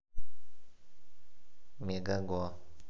мегаго